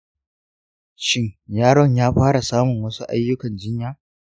shin yaron ya fara samun wasu aiyukan jinya?